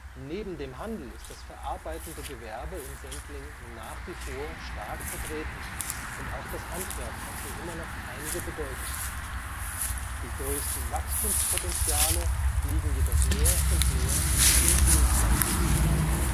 Neben dem Handel ist das verarbeitende Gewerbe in Sendling nach wie vor stark vertreten und auch das Handwerk hat hier noch immer einige Bedeutung. Die größten Wachstumspotenziale liegen jedoch mehr und mehr im Dienstleistungsbereich